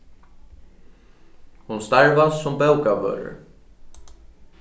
hon starvast sum bókavørður